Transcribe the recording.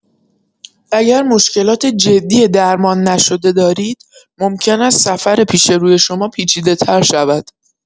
اگر مشکلات جدی درمان‌نشده دارید، ممکن است سفر پیش روی شما پیچیده‌تر شود.